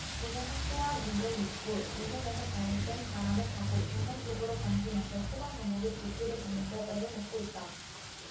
불은 학도암 인근 육 부 능선에서 발생 바람을 타고 정상 쪽으로 번지면서 소방당국이 불길을 잡는 데 애를 먹고 있다